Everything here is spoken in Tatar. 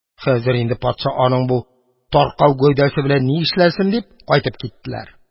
«хәзер инде патша аның таркау гәүдәсе белән ни эшләсен», – дип кайтып киттеләр.